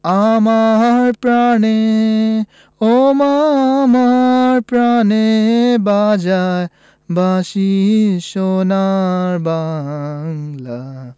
আমার প্রাণে ওমা আমার প্রানে বাজায় বাঁশি সোনার বাংলা